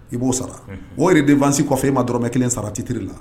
I b'o sara o de denfasi kɔfɛ i ma dɔrɔnmɛ kelen sara titiriri la